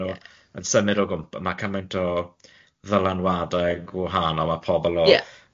ma nw yn symud o gwmp- ma' cyment o ddylanwade gwahanol a pobol o